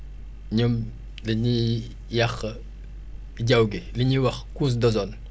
ñoom dañuy yàq jaww gi li ñuy wax couche d' ozone